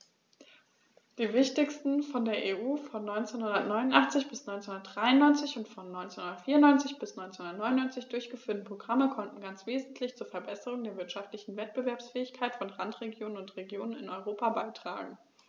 Die wichtigsten von der EU von 1989 bis 1993 und von 1994 bis 1999 durchgeführten Programme konnten ganz wesentlich zur Verbesserung der wirtschaftlichen Wettbewerbsfähigkeit von Randregionen und Regionen in Europa beitragen.